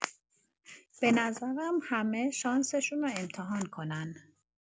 بنظرم همه شانسشونو امتحان کنن.